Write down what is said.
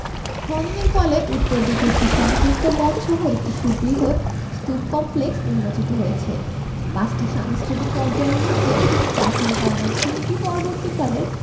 খননের ফলে উত্তর দিকে একটি সংযুক্ত মঠসহ এক সুবৃহৎ স্তূপ কমপ্লেক্স উন্মোচিত হয়েছে পাঁচটি সাংস্কৃতিক পর্যায়ের মধ্যে প্রাচীনতম তিনটি পরবর্তীকালের